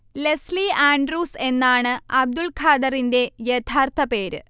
Leslie Andrews എന്നാണ് അബ്ദുള്ഖാദറിന്റെ യഥാർഥ പേര്